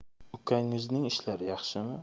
ukangizning ishlari yaxshimi